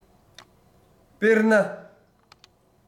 དཔེར ན